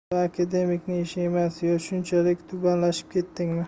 bu akademikning ishi emas yo shunchalik tubanlashib ketdingmi